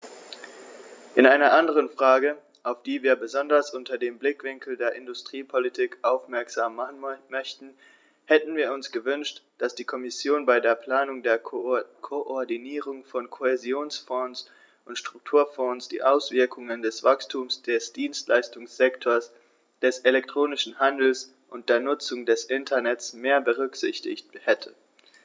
In einer anderen Frage, auf die wir besonders unter dem Blickwinkel der Industriepolitik aufmerksam machen möchten, hätten wir uns gewünscht, dass die Kommission bei der Planung der Koordinierung von Kohäsionsfonds und Strukturfonds die Auswirkungen des Wachstums des Dienstleistungssektors, des elektronischen Handels und der Nutzung des Internets mehr berücksichtigt hätte.